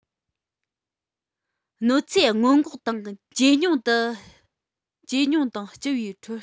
གནོད འཚེ སྔོན འགོག དང ཇེ ཆུང དང སྤྱི པའི འཕྲོད བསྟེན སོགས པའི ཁྱབ ཁོངས ཀྱི མཉམ ལས ལ སྐུལ འདེད གཏོང དགོས